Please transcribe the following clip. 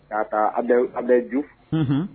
Ka' taa aw bɛ juhun